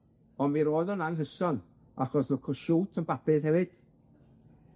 On' mi roedd o'n anghyson, achos o'dd Kossuth yn Babydd hefyd.